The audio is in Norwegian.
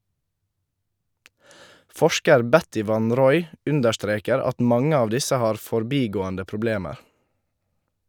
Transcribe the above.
Forsker Betty van Roy understreker at mange av disse har forbigående problemer.